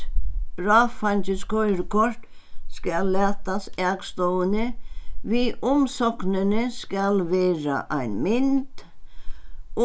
bráðfeingis koyrikort skal latast akstovuni við umsóknini skal vera ein mynd